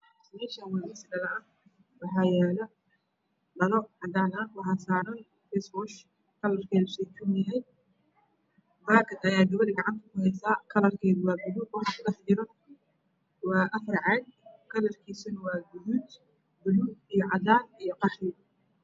Meshini waa miis dhala ah waxaa yala dhalo cadan ah waxaasaran fesfoosh kalarkeedu seyruun yahay bakad ayeey gabashu gacanta ku haysaa kalar keedu waa baluug waa afar caag kalarkisu waa gaduud buluug iyo cadan iyo qaxwi